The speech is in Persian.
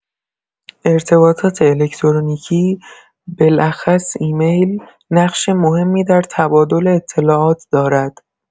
ارتباطات الکترونیکی، بالاخص ایمیل، نقش مهمی در تبادل اطلاعات دارد.